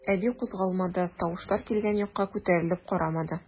Әби кузгалмады, тавышлар килгән якка күтәрелеп карамады.